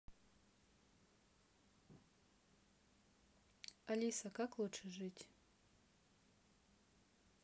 алиса как лучше жить